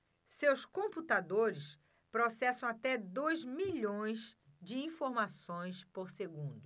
seus computadores processam até dois milhões de informações por segundo